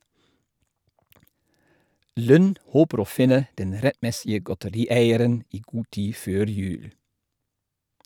Lund håper å finne den rettmessige godterieieren i god tid før jul.